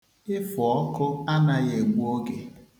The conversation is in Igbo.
Ịfụ ọkụ anaghị egbu oge.